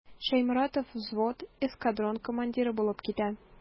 Шәйморатов взвод, эскадрон командиры булып китә.